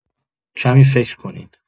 کمی فکر کنین